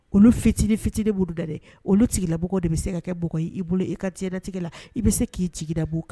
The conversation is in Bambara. Kolon fitinin fitinin b boloda olu tigilaɔgɔ de bɛ se ka kɛ bɔ i bolo i ka tidatigɛ la i bɛ se k'ida kan